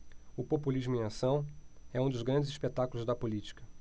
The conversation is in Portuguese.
o populismo em ação é um dos grandes espetáculos da política